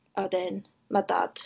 A wedyn ma' dad...